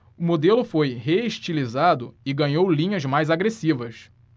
o modelo foi reestilizado e ganhou linhas mais agressivas